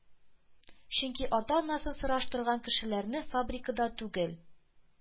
Чөнки ата-анасын сораштырган кешеләрне фабрикада түгел,